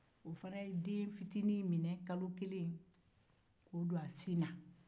o fana ye den fitiinin in minɛ kalo kelen k'o don a sin na